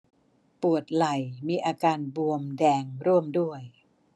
ปวดไหล่มีอาการบวมแดงร่วมด้วย